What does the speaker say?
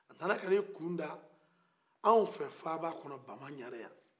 a nana ka n'i kunda an fɛ faaba kɔnɔ bamaɲare yan